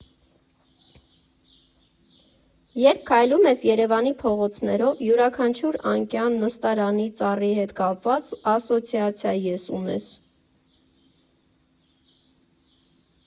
Երբ քայլում ես Երևանի փողոցներով, յուրաքանչյուր անկյան, նստարանի, ծառի հետ կապված ասոցիացիա ես ունես։